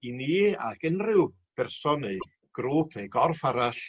i ni ag unryw berson neu grŵp neu gorff arall